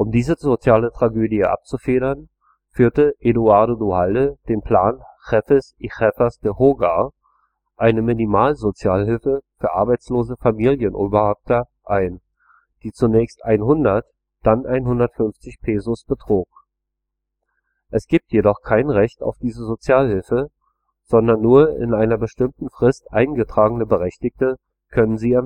diese soziale Tragödie abzufedern, führte Eduardo Duhalde den Plan Jefes y Jefas de Hogar, eine Minimal-Sozialhilfe für arbeitslose Familienoberhäupter ein, die zunächst 100, dann 150 Pesos betrug. Es gibt jedoch kein Recht auf diese Sozialhilfe, sondern nur in einer bestimmten Frist eingetragene Berechtigte können sie